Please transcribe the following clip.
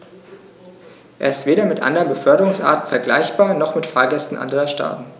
Er ist weder mit anderen Beförderungsarten vergleichbar, noch mit Fahrgästen anderer Staaten.